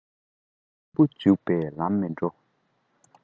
མཁས པ ཇི ལྟར ཐབས རྡུགས ཀྱང